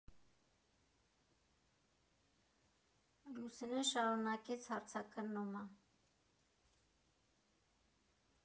Լուսինեն շարունակեց հարցաքննումը.